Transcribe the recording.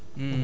voilà voilà